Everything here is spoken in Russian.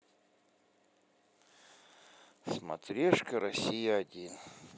смотрешка россия один